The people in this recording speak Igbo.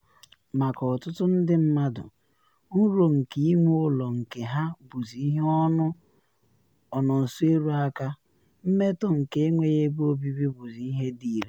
Maka ọtụtụ ndị mmadụ, nrọ nke ịnwe ụlọ nke ha bụzị ihe ọ nọ nso eru aka, mmetọ nke enweghị ebe obibi bụzị ihe dị ire.”